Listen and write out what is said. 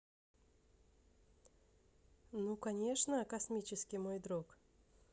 ну конечно космический мой друг